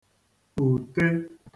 kpùte